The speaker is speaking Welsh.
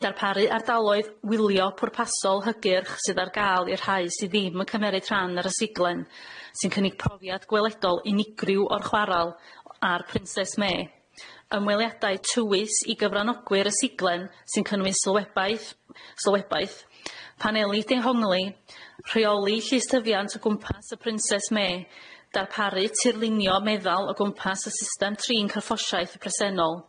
darparu ardaloedd wylio pwrpasol hygyrch sydd ar ga'l i'r rhai sy ddim yn cymeryd rhan ar y siglen sy'n cynnig profiad gweledol unigryw o'r chwaral o- a'r Princess Me, ymweliadau tywys i gyfranogwyr y siglen sy'n cynnwys sylwebaeth sylwebaeth paneli dehongli rheoli llystyfiant o gwmpas y Princess Me darparu tirlunio meddal o gwmpas y system trin carffosiaeth presennol.